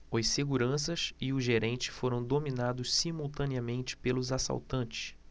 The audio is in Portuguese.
os seguranças e o gerente foram dominados simultaneamente pelos assaltantes